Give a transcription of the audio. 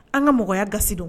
An ka mɔgɔya gasi dɔn.